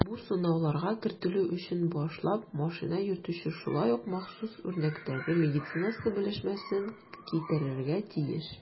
Бу сынауларга кертелү өчен башлап машина йөртүче шулай ук махсус үрнәктәге медицинасы белешмәсен китерергә тиеш.